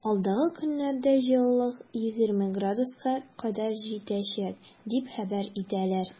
Алдагы көннәрдә җылылык 20 градуска кадәр җитәчәк дип хәбәр итәләр.